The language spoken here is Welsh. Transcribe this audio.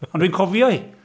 Ond dwi'n cofio hi!